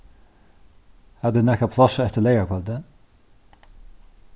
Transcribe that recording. hava tit nakað pláss eftir leygarkvøldið